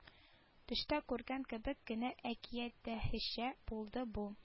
Төштә күргән кебек кенә әкияттәһечә булды бу